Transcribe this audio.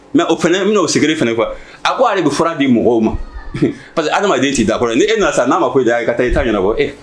Mɛ o min'o sigilen f kuwa a ko ale bɛ fɔra di mɔgɔw ma parce que adama den tɛ da a kɔrɔ ni e na sa n'a ma ko' ye ka taa i t'a ɲɛna e